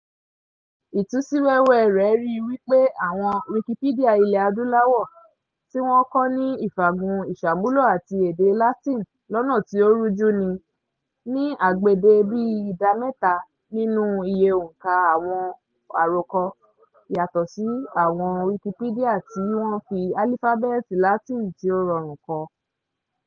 Ìtú sí wẹ́wẹ́ rẹ̀ ríi wípé àwọn Wikipedia ilẹ̀ Adúláwò "tí wọ́n kọ ní ìfàgùn ìsàmúlò àti èdè Latin lọ́nà tí ó rújú [ní] ní agbede bíi ìdá mẹ́ta nínú iye òǹkà àwọn àròkọ" yàtọ̀ sí àwọn Wikipedia tí wọ́n fi álífábẹ́ẹ́tì Latin tí ó rọrùn kọ.